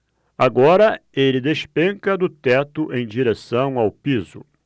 agora ele despenca do teto em direção ao piso